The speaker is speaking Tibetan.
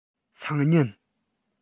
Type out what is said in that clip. སང ཉིན